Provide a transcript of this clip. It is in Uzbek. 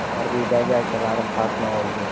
harbiydagi akalarim xatni oladi